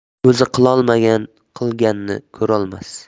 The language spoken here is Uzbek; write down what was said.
o'zi qilolmagan qilganni ko'rolmas